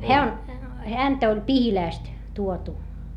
hän on häntä oli Pihilästä tuotu